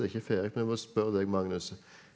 det er ikke ferdig men jeg må spørre deg Magnus.